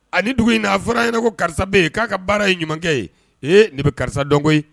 A dugu in' a fɔra ɲɛna ko karisa ye k'a ka baara ye ɲumankɛ ye ee ne bɛ karisa dɔn koyi